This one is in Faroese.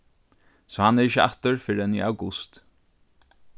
so hann er ikki aftur fyrrenn í august